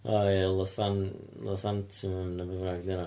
O ia, Lothan... Lothantum neu be bynnag 'di hynna.